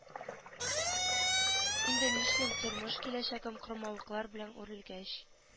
Инде нишлим тормыш киләчәгем кормавыклар белән үрелгәч